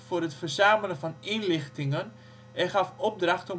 verzamelen van inlichtingen en gaf opdracht